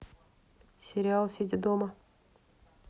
сериал сидя дома